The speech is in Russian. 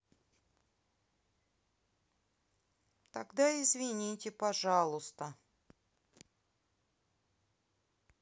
тогда извините пожалуйста